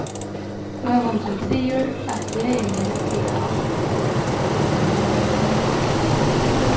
høvundurin sigur at vegirnir vita alt